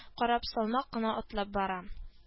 Карап, салмак кына атлап бара